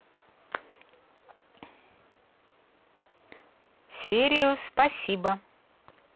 serious спасибо